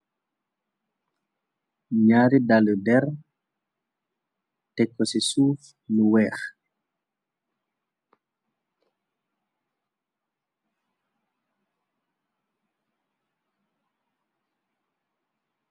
Ñaari daali der té ko ci suuf lu weeh.